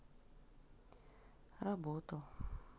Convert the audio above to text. работал